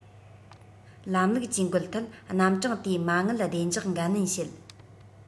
ལམ ལུགས ཇུས འགོད ཐད རྣམ གྲངས དེའི མ དངུལ བདེ འཇགས འགན ལེན བྱེད